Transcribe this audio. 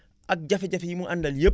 ak jafe-jafe yi mu àndal yëpp